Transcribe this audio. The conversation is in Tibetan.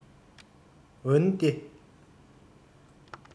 འོན ཏེ